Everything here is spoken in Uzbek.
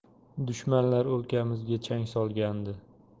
dushmanlar o'lkamizga chang solgandi